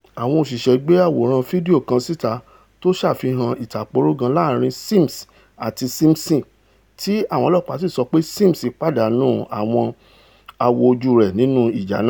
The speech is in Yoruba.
Àwọn òṣìṣẹ́ gbé àwòrán fídíò kan síta tó ṣàfihàn ìtàpórógan láàrin Sims àti Simpson, tí àwọn ọlọ́ọ̀pá sì sọ pé Sims pàdánù àwọn awò ojú rẹ̀ nínú ìjá náà.